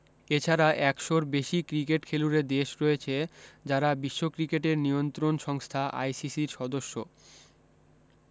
এছাড়া একশর বেশী ক্রিকেট খেলুড়ে দেশ রয়েছে যারা বিশ্ব ক্রিকেটের নিয়ন্ত্রণ সংস্থা আইসিসির সদস্য